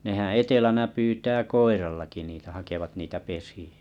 nehän etelänä pyytää koirallakin niitä hakevat niitä pesiä